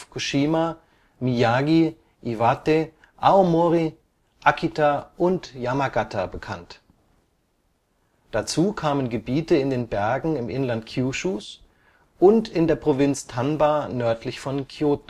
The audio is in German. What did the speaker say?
Fukushima, Miyagi, Iwate, Aomori, Akita und Yamagata, bekannt. Dazu kamen Gebiete in den Bergen im Inland Kyushus und in der Provinz Tamba nördlich von Kyōto